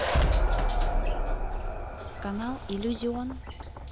канал иллюзион